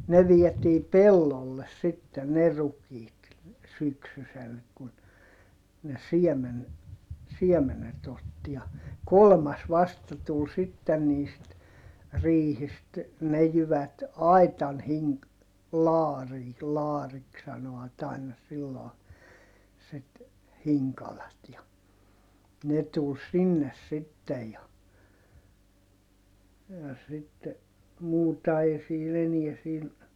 ne vietiin pellolle sitten ne rukiit syksysellä kun ne siemen siemenet otti ja kolmas vasta tuli sitten niistä riihistä ne jyvät aitan - laariin laariksi sanoivat aina silloin sitä hinkaloa ja ne tuli sinne sitten ja ja sitten muuta ei siinä enää siinä